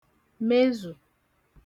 mezù